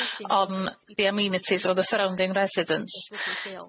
on the amenities of the surrounding residents.